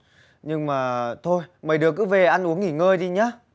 nhưng mà thôi mấy đứa cứ về ăn uống nghỉ ngơi đi nhá